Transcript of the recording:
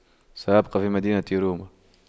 سأبقى بمدينة روما